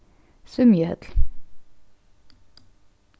svimjihøll